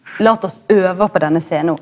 let oss øva på denne scena.